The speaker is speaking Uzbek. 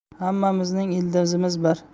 hammamizning ildizimiz bir